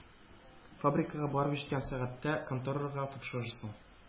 Фабрикага барып җиткән сәгатьтә конторага тапшырырсың.